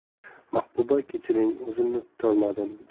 mahbuba kechiring o'zimni tutolmadim